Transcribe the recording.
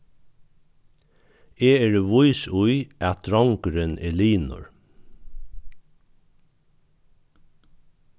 eg eri vís í at drongurin er linur